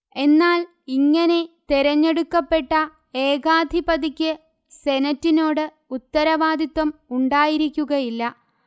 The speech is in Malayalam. എന്നാൽഇങ്ങനെ തെരഞ്ഞെടുക്കപ്പെട്ട ഏകാധിപതിക്ക് സെനറ്റിനോട് ഉത്തരവാദിത്തം ഉണ്ടായിരിക്കുകയില്ല